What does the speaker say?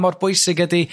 mor bwysig ydi